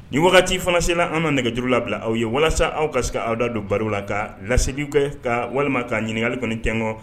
Ni wagati fanasenla an ka nɛgɛjuru labila aw ye walasa aw kas se awda don baro la ka lasyidiw kɛ ka walima k kaa ɲininkali kɔni tɛɔn